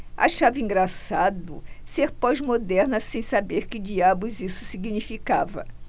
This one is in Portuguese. achava engraçado ser pós-moderna sem saber que diabos isso significava